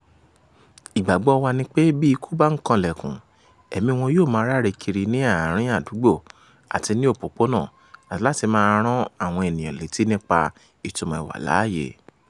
Ìgbàgbọ́ọ wa ni wípé bí ikú bá kanlẹ̀kùn, ẹ̀míi wọn yóò máa ráre kiri ní àárín-in àdúgbò àti ní òpópónà, láti máa rán àwọn ènìyàn létí nípa ìtúmọ̀ ìwà láyé.